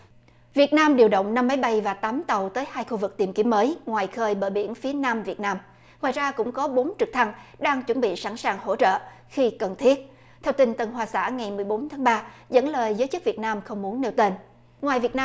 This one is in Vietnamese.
việt nam điều động năm máy bay và tám tàu tới hai khu vực tìm kiếm mới ngoài khơi bờ biển phía nam việt nam ngoài ra cũng có bốn trực thăng đang chuẩn bị sẵn sàng hỗ trợ khi cần thiết theo tin tân hoa xã ngày mười bốn tháng ba dẫn lời giới chức việt nam không muốn nêu tên ngoài việt nam